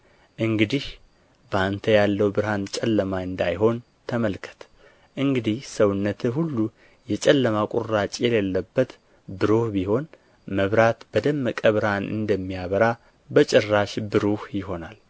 እንግዲህ በአንተ ያለው ብርሃን ጨለማ እንዳይሆን ተመልከት እንግዲህ ሰውነትህ ሁሉ የጨለማ ቍራጭ የሌለበት ብሩህ ቢሆን መብራት በደመቀ ብርሃን እንደሚያበራልህ በጭራሽ ብሩህ ይሆናል